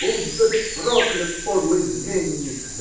-- Будь же ты проклят, подлый изменник!